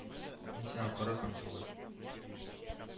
Мин сиңа коры һәм җылы